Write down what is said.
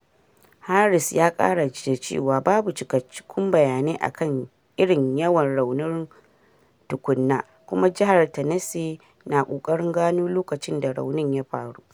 Harris ya kara da cewa "babu cikakkun bayanai akan irin/yawan raunin tukunna " kuma Jihar Tennessee na ƙokarin gano lokacin da rauni ya faru.